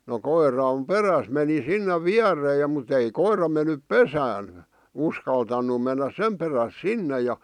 no koiran perässä meni sinne viereen ja mutta ei koira mennyt pesään uskaltanut mennä sen perässä sinne ja